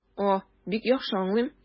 А, бик яхшы аңлыйм.